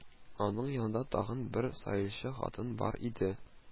Аның янында тагын бер саилче хатын бар иде